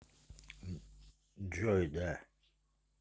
joy да